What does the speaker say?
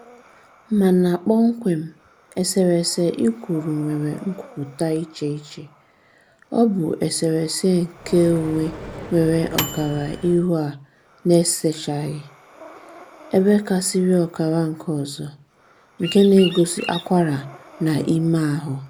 Mana kpọmkwem, eserese ị kwuru nwere nkwupụta echiche: ọ bụ eserese keonwe nwere ọkara ihu a na-esechaghị, ebekasiri ọkara nke ọzọ, nke na-egosi akwara na ime ahụ.